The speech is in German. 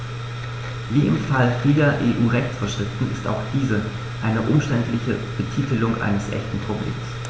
Wie im Fall vieler EU-Rechtsvorschriften ist auch dies eine umständliche Betitelung eines echten Problems.